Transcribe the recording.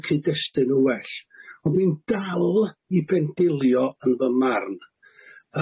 y cyd-destun yn well ond dwi'n dal i bendilio yn fy marn